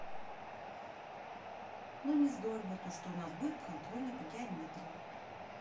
ну не здорово то что у нас будет контрольная по геометрии